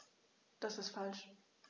Das ist falsch.